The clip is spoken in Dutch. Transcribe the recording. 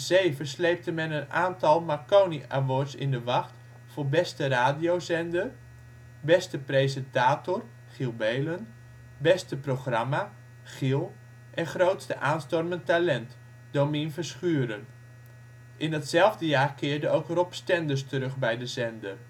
2007 sleepte men een aantal Marconi Awards in de wacht voor Beste Radiozender; Beste Presentator (Giel Beelen); Beste Programma (GIEL) en Grootste Aanstormend Talent (Domien Verschuuren). In datzelfde jaar keerde ook Rob Stenders terug bij de zender